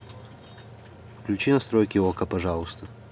включи настройки окко пожалуйста